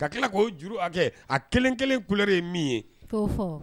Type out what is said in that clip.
Ka tila k'o juru hakɛ a kelen kelen couleur ye min ye, k'o fɔ